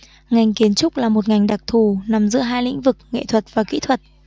ngành kiến trúc là một ngành đặc thù nằm giữa hai lĩnh vực nghệ thuật và kỹ thuật